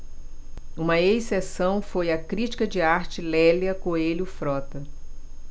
uma exceção foi a crítica de arte lélia coelho frota